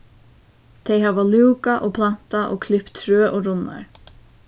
tey hava lúkað og plantað og klipt trø og runnar